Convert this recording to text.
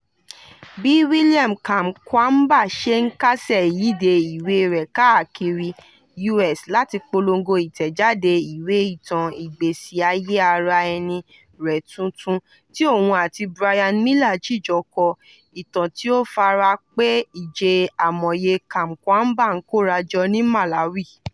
Bí William Kamkwamba ṣe ń kásẹ̀ ìyíde ìwé rẹ̀ káàkiri US láti polongo ìtẹ̀jáde ìwé ìtan ìgbésí ayè ara ẹni rẹ̀ tuntun tí oun àti Bryan Mealer jijọ kọ, ìtan tí ó fara pẹ́ ìjẹ́ amòye Kamkwamba ń kóra jọ ní Malawi.